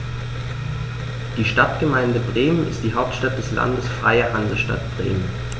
Die Stadtgemeinde Bremen ist die Hauptstadt des Landes Freie Hansestadt Bremen.